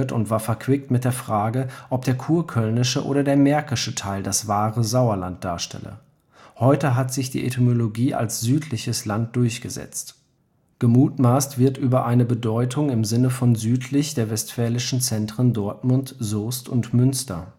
und war verquickt mit der Frage, ob der kurkölnische oder der märkische Teil das „ wahre “Sauerland darstelle. Heute hat sich die Etymologie als südliches Land durchgesetzt. Gemutmaßt wird über eine Bedeutung im Sinne von südlich der westfälischen Zentren Dortmund, Soest und Münster